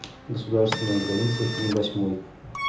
государственная граница фильм восьмой